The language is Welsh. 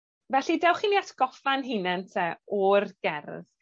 Felly dewch i ni atgoffa'n hunen 'te o'r gerdd.